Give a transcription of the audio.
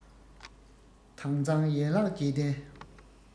དྭངས གཙང ཡན ལག བརྒྱད ལྡན